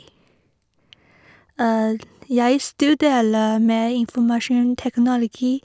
Jeg studerer med informasjonsteknologi.